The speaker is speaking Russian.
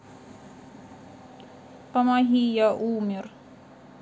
помоги я умер